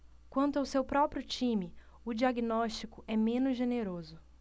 quanto ao seu próprio time o diagnóstico é menos generoso